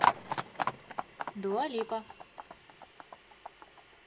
dua lipa